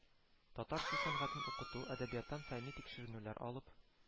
Татар сүз сәнгатен укыту, әдәбияттан фәнни тикшеренүләр алып